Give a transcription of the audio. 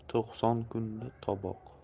to'qson kunda toboq